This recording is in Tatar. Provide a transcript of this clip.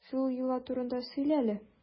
Шул йола турында сөйлә әле.